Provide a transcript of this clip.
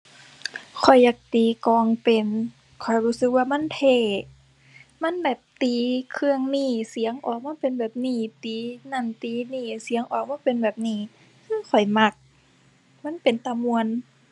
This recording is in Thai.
ข้อยอยากตีกลองเป็น ข้อยรู้สึกว่ามันเท่ มันแบบตีเครื่องนี้ เสียงออกมาเป็นแบบนี้ ตีนั้นตีนี้ เสียงออกมาเป็นแบบนี้ คือข้อยมัก มันเป็นตาม่วน